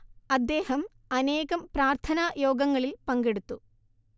അദ്ദേഹം അനേകം പ്രാർത്ഥനാ യോഗങ്ങളിൽ പങ്കെടുത്തു